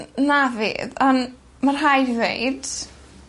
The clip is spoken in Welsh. Yy na fydd on' ma' rhai' fi ddeud